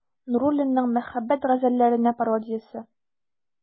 Нуруллинның «Мәхәббәт газәлләренә пародия»се.